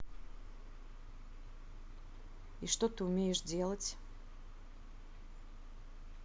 и что ты умеешь делать